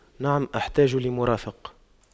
نعم احتاج لمرافق